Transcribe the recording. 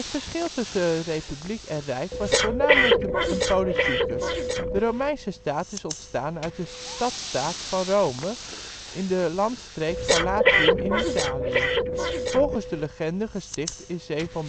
verschil tussen de Republiek en Rijk was voornamelijk een politieke. De Romeinse staat is ontstaan uit de stadstaat van Rome in de landstreek van Latium in Italië, volgens de legende gesticht in 753 v.